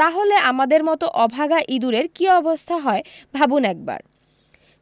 তা হলে আমাদের মতো অভাগা ইঁদুরের কী অবস্থা হয় ভাবুন একবার